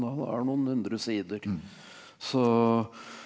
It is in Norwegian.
den er noen 100 sider så.